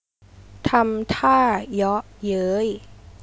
ทำท่าเยาะเย้ย